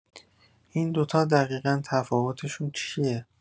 این دو تا دقیقا تفاوتشون چیه؟